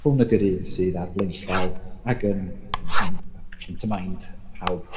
Hwn ydy'r un sydd ar flaenllaw ac yn yn yn front of mind pawb.